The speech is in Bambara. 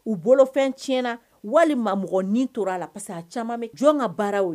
U bolofɛn tiɲɛna wali mɔgɔ nin tora a la parce que acaman min jɔn ka baara y'o